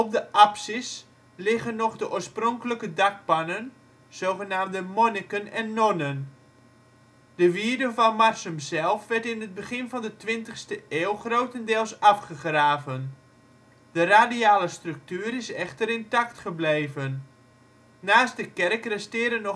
de apsis liggen nog de oorspronkelijke dakpannen, zogenaamde monniken en nonnen. De wierde van Marsum zelf werd in het begin van de twintigste eeuw grotendeels afgegraven. De radiale structuur is echter intact gebleven. Naast de kerk resteren